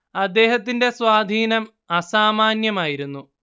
അദ്ദേഹത്തിന്റെ സ്വാധീനം അസാമാന്യമായിരുന്നു